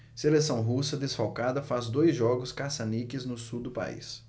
seleção russa desfalcada faz dois jogos caça-níqueis no sul do país